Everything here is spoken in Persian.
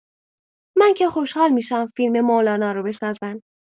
من که خوشحال می‌شم فیلم مولانا رو بسازن.